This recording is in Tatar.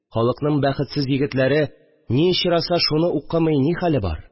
Халыкның бәхетсез егетләре ни очраса шуны укымый ни хәле бар